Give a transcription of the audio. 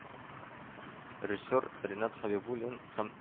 Режиссер Ренат Хәбибуллин һәм